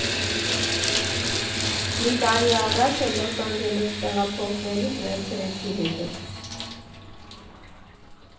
Մի տարի առաջ էլ Լոս Անջելես տեղափոխվելիս վերցրեցի հետս։